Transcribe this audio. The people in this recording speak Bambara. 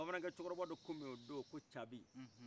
bamanankɛ cɔkɔrɔba tun beyi o do ko cabi